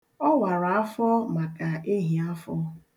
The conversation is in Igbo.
Ọ wara ya afọ maka ehiafọ.